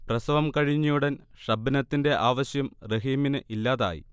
പ്രസവം കഴിഞ്ഞയുടൻ ഷബ്നത്തിന്റെ ആവശ്യം റഹീമിന് ഇല്ലാതായി